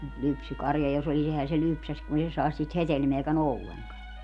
mutta lypsykarja jos olisi eihän se lypsäisi kun ei se saisi siitä hedelmääkään ollenkaan